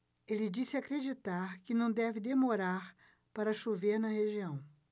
ele disse acreditar que não deve demorar para chover na região